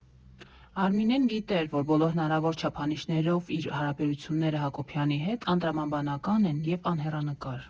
Արմինեն գիտեր, որ բոլոր հնարավոր չափանիշներով իր հարաբերությունները Հակոբյանի հետ անտրամաբանական են և անհեռանկար։